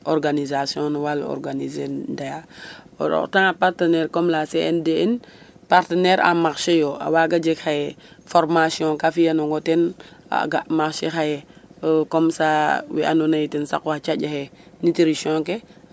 Organisation no walum organiser ndeya o xotanga partenaire comme la cndn partenaire en marché yo waaga jeg xaye formation ta fi'anango ten a ga marcher xay comme ca we andoona yee ten saqu xa caaƈ axe nutrution ke.